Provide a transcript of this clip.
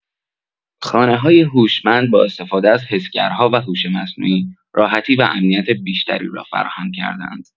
خانه‌های هوشمند با استفاده از حسگرها و هوش مصنوعی، راحتی و امنیت بیشتری را فراهم کرده‌اند.